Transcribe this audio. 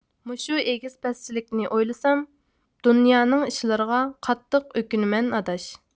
مۇشۇ ئېگىز پەسچىلىكنى ئويلىسام دۇنيانىڭ ئىشلىرىغا قاتتىق ئۆكۈنىمەن ئاداش